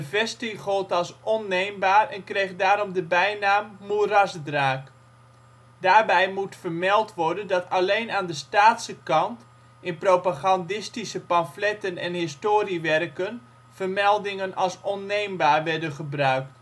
vesting gold als onneembaar en kreeg daarom de bijnaam Moerasdraak. Daarbij moet vermeld worden dat alleen aan de Staatse kant, in propagandistische pamfletten en historiewerken vermeldingen als " onneembaar " werden gebruikt